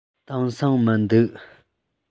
དེང སང མི འདུག